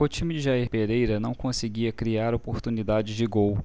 o time de jair pereira não conseguia criar oportunidades de gol